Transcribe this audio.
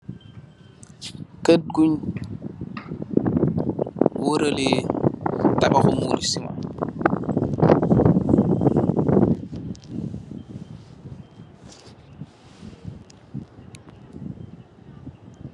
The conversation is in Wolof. Kér guñ waraleh tabaxxu moli sima